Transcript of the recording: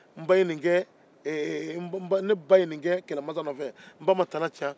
n ba ye nin kɛ ɛɛ-ɛɛ ne ba ye nin kɛ kɛlɛmasa nɔ fɛ ne ba ma tɛnɛ tinɛ